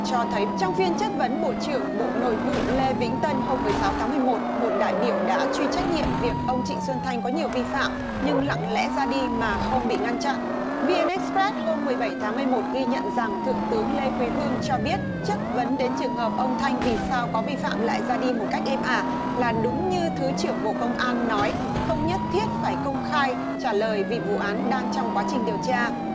cho thấy trong phiên chất vấn bộ trưởng bộ nội vụ lê vĩnh tân hôm mười sáu tháng mười một một đại biểu đã truy trách nhiệm việc ông trịnh xuân thanh có nhiều vi phạm nhưng lặng lẽ ra đi mà không bị ngăn chặn vi en ích pét hôm mười bảy tháng mười một ghi nhận rằng thượng tướng lê quý vương cho biết chất vấn đến trường hợp ông thanh vì sao có vi phạm lại ra đi một cách êm ả là đúng như thứ trưởng bộ công an nói không nhất thiết phải công khai trả lời vì vụ án đang trong quá trình điều tra